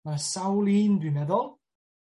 Ma' sawl un dwi'n meddwl.